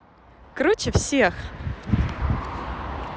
круче всех